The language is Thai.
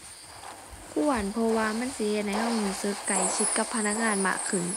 ควร เพราะว่ามันสิเฮ็ดให้เราเราสึกใกล้ชิดกับพนักงานมากขึ้น